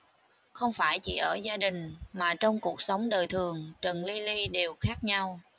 không phải chỉ ở gia đình mà trong cuộc sống đời thường trần ly ly đều khác nhau